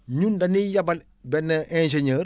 ñun dañuy yebal benn ingénieur